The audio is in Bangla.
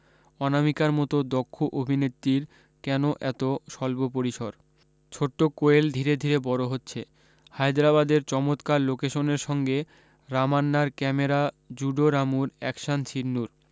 অনামিকার মতো দক্ষ অভিনেত্রীর কেন অত স্বল্প পরিসর ছোট্ট কোয়েল ধীরে ধীরে বড় হচ্ছে হায়দরাবাদের চমতকার লোকেশনের সঙ্গে রামান্নার ক্যামেরা জুডো রামুর অ্যাকশান সিন্নুর